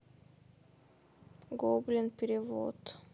гоблин перевод